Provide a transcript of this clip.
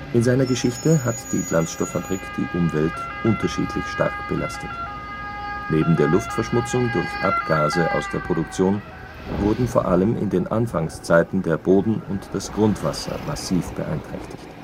In seiner Geschichte hat die Glanzstoff-Fabrik die Umwelt unterschiedlich stark belastet. Neben der Luftverschmutzung durch Abgase aus der Produktion wurden vor allem in den Anfangszeiten der Boden und das Grundwasser massiv beeinträchtigt